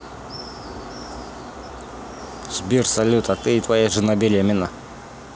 сбер салют а ты и твоя жена беременна